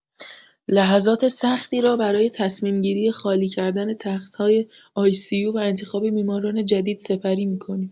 لحظات سختی را برای تصمیم‌گیری خالی کردن تخت‌های آی‌سی‌یو و انتخاب بیماران جدید سپری می‌کنیم